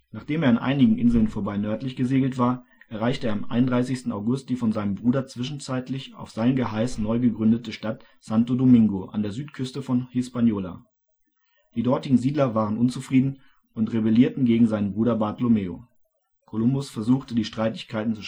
Nachdem er an einigen Inseln vorbei nördlich gesegelt war, erreichte er am 31. August die von seinem Bruder zwischenzeitlich auf sein Geheiß neu gegründete Stadt Santo Domingo an der Südküste von Hispaniola. Die dortigen Siedler waren unzufrieden und rebellierten gegen seinen Bruder Bartolomeo. Kolumbus versuchte die Streitigkeiten